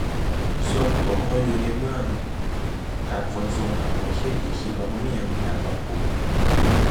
ส่วนตัวตัวอยู่ในเมือง การขนส่งตัวโอเคดี คิดว่าบ่มีหยังน่าปรับปรุง